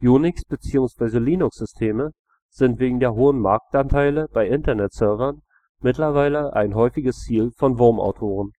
Unix - bzw. Linux-Systeme sind wegen der hohen Marktanteile bei Internet-Servern mittlerweile ein häufiges Ziel von Wurmautoren